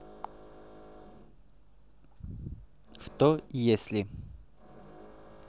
что если